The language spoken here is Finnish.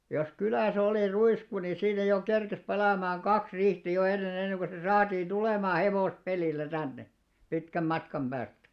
jos kylässä oli ruisku niin siinä jo kerkesi palamaan kaksi riihtä jo ennen ennen kuin se saatiin tulemaan hevospelillä tänne pitkän matkan päästä